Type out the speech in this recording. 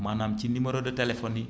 maanaam ci numéro de téléphone yi